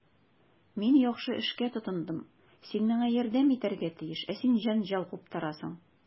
Мин яхшы эшкә тотындым, син миңа ярдәм итәргә тиеш, ә син җәнҗал куптарасың.